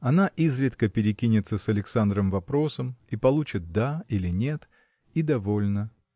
Она изредка перекинется с Александром вопросом и получит да или нет – и довольна